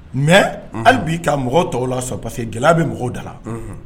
Mɛ hali bii ka mɔgɔw tɔw lasɔ parce que gɛlɛya bɛ mɔgɔw da la